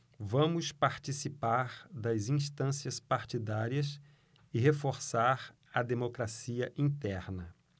vamos participar das instâncias partidárias e reforçar a democracia interna